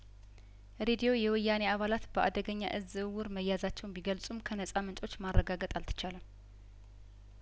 ሬዲዮው የወያኔ አባላት በአደገኛ እጽ ዝውውር መያዛቸውን ቢገልጹም ከነጻምንጮች ማረጋገጥ አልተቻለም